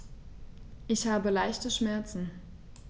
Ich habe leichte Schmerzen.